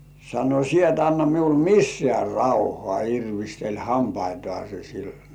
sanoi sinä et anna minulle missään rauhaa irvisteli hampaitaan sille